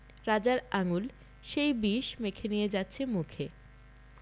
রাজার আঙুল সেই বিষ মেখে নিয়ে যাচ্ছে মুখে